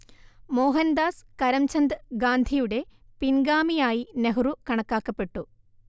മോഹൻദാസ് കരംചന്ദ് ഗാന്ധിയുടെ പിൻഗാമിയായി നെഹ്രു കണക്കാക്കപ്പെട്ടു